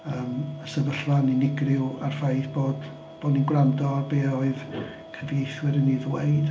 Yym y sefyllfa'n unigryw ar ffaith bod bod ni'n gwrando ar be oedd cyfieithwyr yn ei ddweud.